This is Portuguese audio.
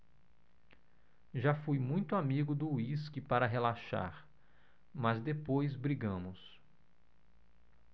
já fui muito amigo do uísque para relaxar mas depois brigamos